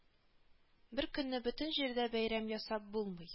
Беркөнне бөтен җирдә бәйрәм ясап булмый